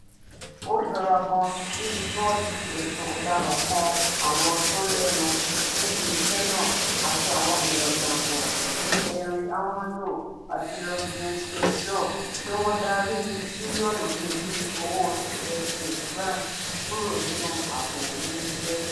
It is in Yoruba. Ó jọra gan-an níbi tí wọ̀n ti fi ẹ̀sùn ọ̀daràn kan"àwọn tó lẹ́nu" nídi ìṣe náà, àti àwọn èèyàn jànkàn bí Henri Amouzou àti Luxien Tape Doh pé wọ́n darí bílíọ̀nù iyebíye owó CFA francs kúrò nínú àpò Ileeṣẹ́.